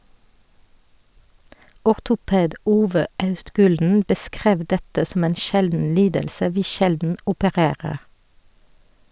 Ortoped Ove Austgulen beskrev dette som en "sjelden lidelse vi sjelden opererer".